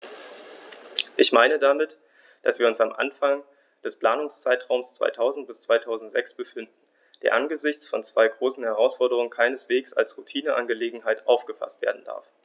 Ich meine damit, dass wir uns am Anfang des Planungszeitraums 2000-2006 befinden, der angesichts von zwei großen Herausforderungen keineswegs als Routineangelegenheit aufgefaßt werden darf.